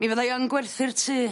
Mi fydda i yn gwerthu'r tŷ.